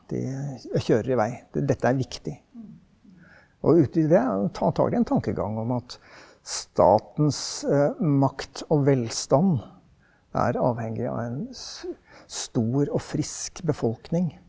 de kjører i vei, dette er viktig, og utvide og ta tak i en tankegang om at statens makt og velstand er avhengig av en stor og frisk befolkning.